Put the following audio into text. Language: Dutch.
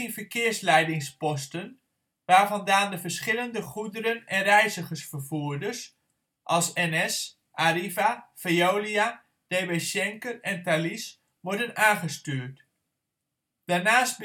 verkeersleidingsposten waarvandaan de verschillende goederen - en reizigersvervoerders (als NS, Arriva, Veolia, DB Schenker en Thalys) worden aangestuurd. Daarnaast